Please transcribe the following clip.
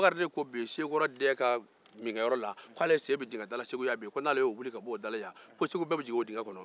bakari de ko bi sekorɔ dɛɛ ka yɔrɔ la k'ale sen be dingɛ da la ko n'ale yo wuli ka bɔ yen ko segu bɛɛ jigin o dingɛ kɔnɔ